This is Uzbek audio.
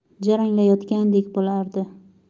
jaranglayotgandek bo'lardi